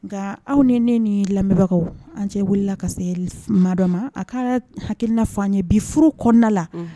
N ga aw ni ne ni n lamɛnbagaw an cɛ wulila ka se maa dɔn ma , a ka hakilina fɔ an ye bi furu kɔnɔna la, unhun